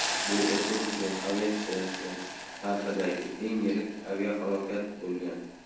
bu sssr aviatsiyasi tarixidagi eng yirik aviahalokat bo'lgan